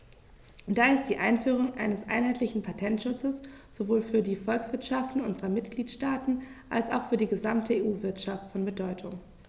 Daher ist die Einführung eines einheitlichen Patentschutzes sowohl für die Volkswirtschaften unserer Mitgliedstaaten als auch für die gesamte EU-Wirtschaft von Bedeutung.